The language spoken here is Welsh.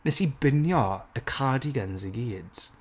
Nes i binio y cardigans i gyd.